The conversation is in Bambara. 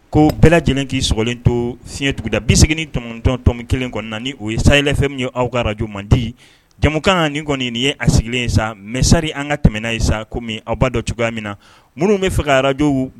Ko bɛɛ lajɛlen k'i sogolen to siɲɛ tuguda binse tɔtɔntɔn min kelen kɔnɔna na o ye saylafɛn min ye aw ka araj man di jamukan kan nin kɔni nin ye a sigilen in sa mɛsari an ka tɛmɛɛna yen sa ko min aw ba dɔ cogoya min na minnu bɛ faga araj